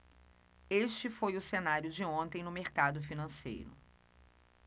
este foi o cenário de ontem do mercado financeiro